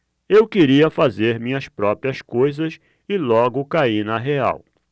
eu queria fazer minhas próprias coisas e logo caí na real